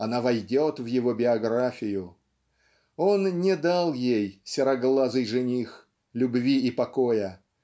она войдет в его биографию он не дал ей сероглазый жених любви и покоя